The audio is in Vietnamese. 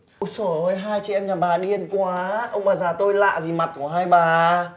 ối dồi ôi hai chị em nhà bà điên quá ông bà già tôi lạ gì mặt của hai bà